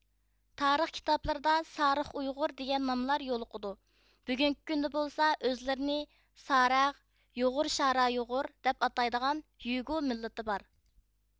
تارىخ كىتابلىرىدا سارىخ ئۇيغۇر دېگەن ناملار يولۇقىدۇ بۈگۈنكى كۈندە بولسا ئۆزلىرىنى سارەغ يۇغۇر شارا يۇغۇر دەپ ئاتايدىغان يۈگۇ مىللىتى بار